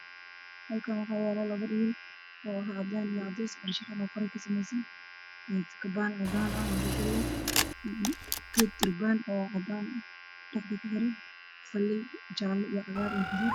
Halkaan waxaa yaal labo dhiil oo cadaan iyo cadays farshaxan oo qore ka samaysan kotobaan cadaan ah oo shul shul leh geed durbaan ah oo cadaan ah dhexda ka xiran faleer jaalle cagaar iyo gaduud .